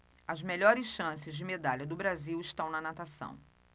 as melhores chances de medalha do brasil estão na natação